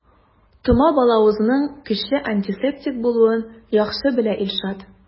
Тома балавызның көчле антисептик булуын яхшы белә Илшат.